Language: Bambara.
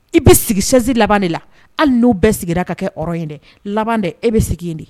I bɛ sigi chaise laban de la hali n'o bɛɛ sigira ka kɛ rond ye dɛ laban dɛ e bɛ segin yen de